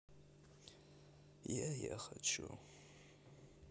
я я хочу